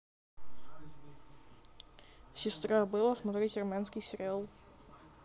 сестра абела смотреть армянский сериал